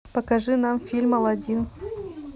покажи нам фильм аладдин